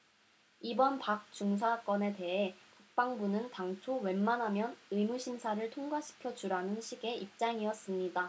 이번 박 중사 건에 대해 국방부는 당초 웬만하면 의무심사를 통과시켜 주라는 식의 입장이었습니다